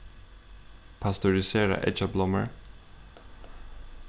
pasteuriserað eggjablommur